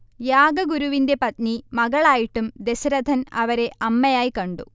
യാഗ ഗുരുവിന്റെ പത്നി മകളായിട്ടും ദശരഥൻ അവരെ അമ്മയായി കണ്ടു